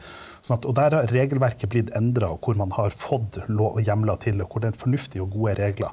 sånn at og der har regelverket blitt endra, og hvor man har fått hjemler til, og hvor det er fornuftige og gode regler.